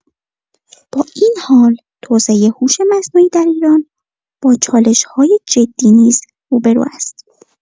با این حال، توسعه هوش مصنوعی در ایران با چالش‌های جدی نیز روبه‌رو است.